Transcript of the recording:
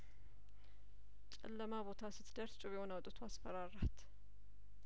ጨለማ ቦታ ስትስደርስ ጩቤውን አውጥቶ አስፈራራት